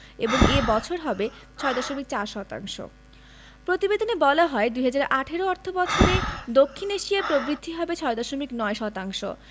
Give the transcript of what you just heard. এবং এ বছর হবে ৬.৪ শতাংশ প্রতিবেদনে বলা হয় ২০১৮ অর্থবছরে দক্ষিণ এশিয়ায় প্রবৃদ্ধি হবে ৬.৯ শতাংশ